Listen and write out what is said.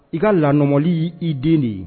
I ka lanɔmɔli ye i den de ye